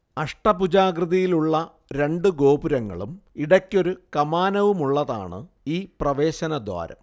അഷ്ടഭുജാകൃതിയിലുള്ള രണ്ടു ഗോപുരങ്ങളും ഇടയ്ക്കൊരു കമാനവുമുള്ളതാണ് ഈ പ്രവേശനദ്വാരം